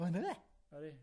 On'd yfe? Ydi.